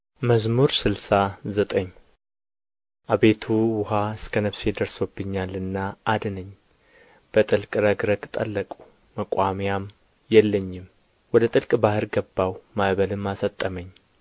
መዝሙር ስልሳ ዘጠኝ አቤቱ ውኃ እስከ ነፍሴ ደርሶብኛልና አድነኝ በጥልቅ ረግረግ ጠለቅሁ መቋሚያም የለኝም ወደ ጥልቅ ባሕር ገባሁ ማዕበልም አሰጠመኝ